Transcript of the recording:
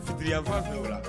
Fiyanfan fɛ o la